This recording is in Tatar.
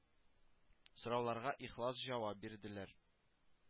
Сорауларга ихлас җавап бирделәр